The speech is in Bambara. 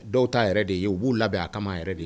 Dɔw t'a yɛrɛ de ye u b'u labɛn a ka yɛrɛ de ye